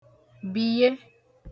bìye